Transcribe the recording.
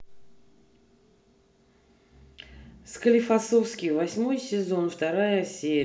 склифосовский восьмой сезон вторая серия